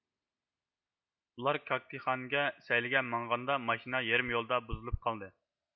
ئۇلار كاگتىخانىگە سەيلىگە ماڭغاندا ماشىنا يېرىم يولدا بۇزۇلۇپ قالدى